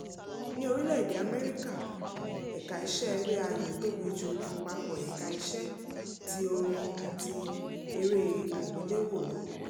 Ní orílẹ̀-èdè America, ẹ̀ka-iṣẹ́ eré ayò tóbi ju àpapọ̀ ẹ̀ka-iṣẹ́ ti orin àti eré àgbéléwò lọ.